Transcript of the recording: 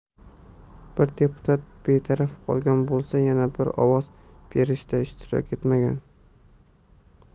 bir deputat betaraf qolgan bo'lsa yana biri ovoz berishda ishtirok etmagan